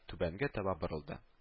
Түбәнгә таба борылды